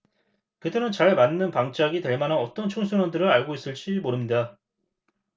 그들은 잘 맞는 방짝이 될 만한 어떤 청소년들을 알고 있을지 모릅니다